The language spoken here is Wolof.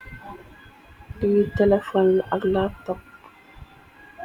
Lii telefon la ak laap pamm